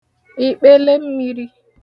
̀ìkpelemmiri